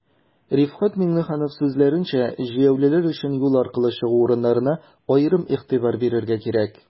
Рифкать Миңнеханов сүзләренчә, җәяүлеләр өчен юл аркылы чыгу урыннарына аерым игътибар бирергә кирәк.